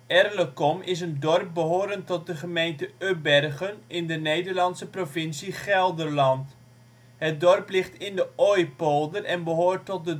Erlecom is een dorp behorend tot de gemeente Ubbergen in de Nederlandse provincie Gelderland. Het dorp ligt in de Ooijpolder en behoort tot de